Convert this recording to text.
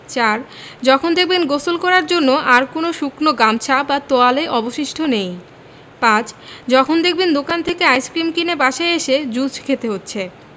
৪. যখন দেখবেন গোসল করার জন্য আর কোনো শুকনো গামছা বা তোয়ালে অবশিষ্ট নেই ৫. যখন দেখবেন দোকান থেকে আইসক্রিম কিনে বাসায় এসে জুস খেতে হচ্ছে